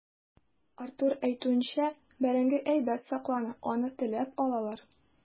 Артур әйтүенчә, бәрәңге әйбәт саклана, аны теләп алалар.